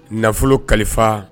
Nafolo kalifa